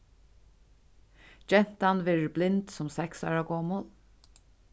gentan verður blind sum seks ára gomul